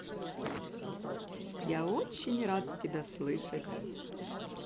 я очень рад тебя слышать